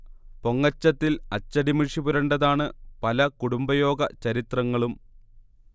പൊങ്ങച്ചത്തിൽ അച്ചടിമഷി പുരണ്ടതാണ് പല കുടുംബയോഗ ചരിത്രങ്ങളും